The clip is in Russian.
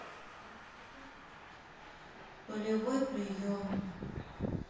болевой прием